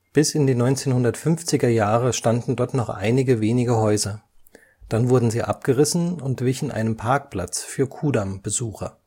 bis in die 1950 standen dort noch einige wenige Häuser. Dann wurden sie abgerissen und wichen einem Parkplatz für Kudamm-Besucher